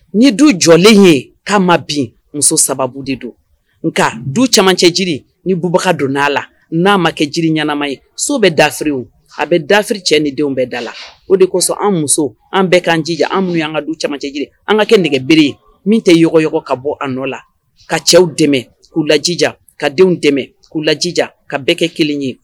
Nin du jɔlen ye k'an ma bin muso sababu de don nka du caman cɛ jiri ni bubaga don aa la n'an ma kɛ jiri ɲɛnama ye so bɛ dasiririw a bɛ dasiriri cɛ ni denw bɛɛ da la o de kosɔn an muso an bɛɛ'anjija an mun an ka du camancɛ jiri an ka kɛ nɛgɛ bereere ye min tɛ yɔrɔɔgɔ ka bɔ a nɔ la ka cɛw dɛmɛ k'u lajija ka denw dɛmɛ k'u lajija ka bɛɛ kɛ kelen ye